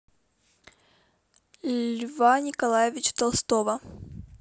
льва николаевича толстого